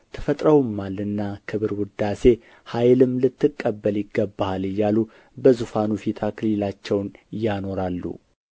ተፈጥረውማልና ክብር ውዳሴ ኃይልም ልትቀበል ይገባሃል እያሉ በዙፋኑ ፊት አክሊላቸውን ያኖራሉ